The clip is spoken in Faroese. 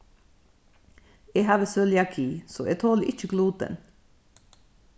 eg havi cøliaki so eg toli ikki gluten